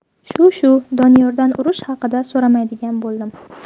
shu shu doniyordan urush haqida so'ramaydigan bo'ldim